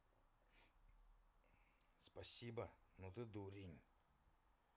спасибо но ты дурень